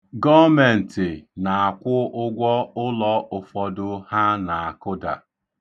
Gọọmentị na-akwụ ụgwọ ụlọ ụfọdụ ha na-akụda.